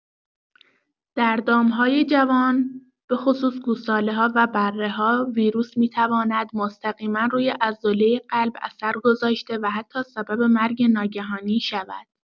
در دام‌های جوان، به‌خصوص گوساله‌ها و بره‌ها، ویروس می‌تواند مستقیما روی عضله قلب اثر گذاشته و حتی سبب مرگ ناگهانی شود.